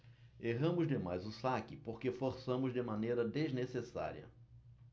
erramos demais o saque porque forçamos de maneira desnecessária